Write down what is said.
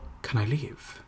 Can I leave?